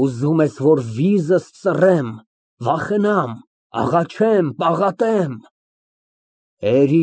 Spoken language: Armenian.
Ուզում ես, որ վիզս ծռեմ, վախենամ, աղաչեմ, պաղատեմ։ (Լուրջ և խիստ)։